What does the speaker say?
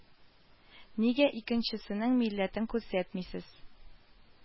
Нигә икенчесенең милләтен күрсәтмисез